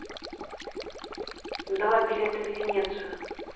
два билета в венецию